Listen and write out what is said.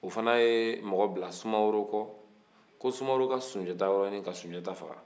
u fɛnɛ ye mɔgɔ bila sumaworo kɔ ko sumaworo ka sunjata yɔrɔ ɲini ka sunjata faga